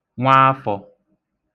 nwaafọ̄